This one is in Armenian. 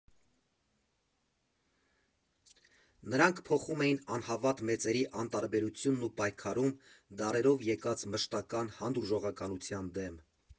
Նրանք փոխում էին անհավատ մեծերի անտարբերությունն ու պայքարում՝ դարերով եկած մշտական հանդուրժողականության դեմ։